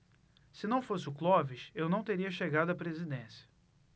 se não fosse o clóvis eu não teria chegado à presidência